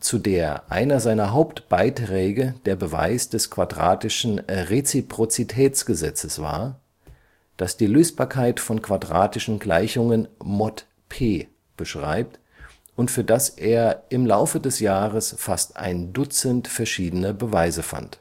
zu der einer seiner Hauptbeiträge der Beweis des quadratischen Reziprozitätsgesetzes war, das die Lösbarkeit von quadratischen Gleichungen „ mod p “beschreibt und für das er im Laufe seines Lebens fast ein Dutzend verschiedene Beweise fand